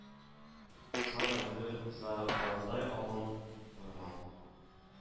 Сарайды за парандай алың орман